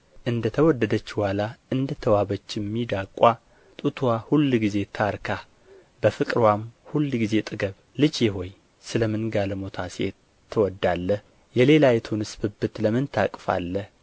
እንደ ተወደደች ዋላ እንደ ተዋበችም ሚዳቋ ጡትዋ ሁልጊዜ ታርካህ በፍቅርዋም ሁልጊዜ ጥገብ ልጄ ሆይ ስለ ምን ጋለሞታ ሴት ትወድዳለህ የሌላይቱንስ ብብት ለምን ታቅፋለህ